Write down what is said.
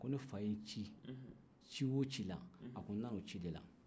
ko ne fa ye n ci ci o ci la a ko n nan'o ci de la